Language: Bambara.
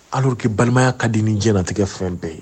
Alors que balimaya ka di ni diɲɛlatigɛ fɛn bɛɛ ye.